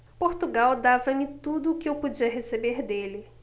portugal dava-me tudo o que eu podia receber dele